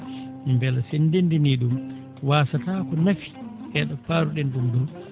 mbela so en deenndinii ɗum waasata ko nafi e ɗo paruɗen ɗum ɗoo